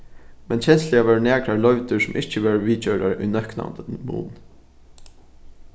men kensluliga vóru nakrar leivdir sum ikki vóru viðgjørdar í nøktandi mun